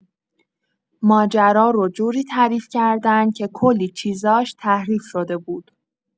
ماجرا رو جوری تعریف کردن که کلی چیزاش تحریف‌شده بود.